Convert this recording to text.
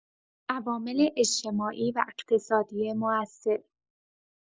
عوامل اجتماعی و اقتصادی مؤثر